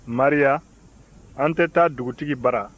maria an tɛ taa dugutigi bara